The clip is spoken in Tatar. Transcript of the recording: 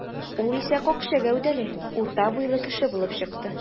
Ул исә какча гәүдәле, урта буйлы кеше булып чыкты.